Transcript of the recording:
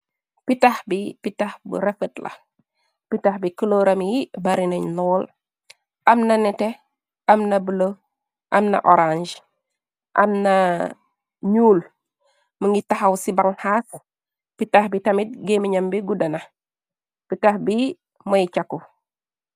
Pitah bii pitah bu rafet la, pitah bii couleuram yii barinen lol, amna nehteh, amna bleu, amna ohranghhe, amna njull, mungy takhaw cii banhass, pitah bii tamit gehmengh njam bii gudah na, pitah bii moi chaku.